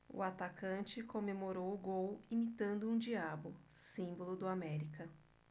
o atacante comemorou o gol imitando um diabo símbolo do américa